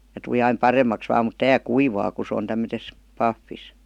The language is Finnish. ja tuli aina paremmaksi vain mutta tämä kuivaa kun se on tämmöisessä pahvissa